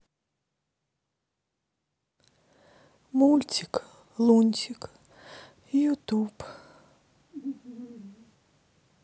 мультик лунтик ютуб